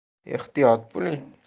ehtiyot bo'ling